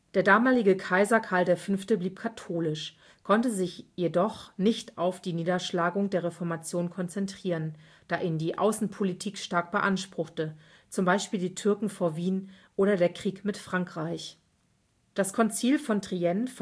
Der damalige Kaiser Karl V. blieb katholisch, konnte sich jedoch nicht auf die Niederschlagung der Reformation konzentrieren, da ihn die Außenpolitik stark beanspruchte (Türken vor Wien, Krieg mit Frankreich). Das Konzil von Trient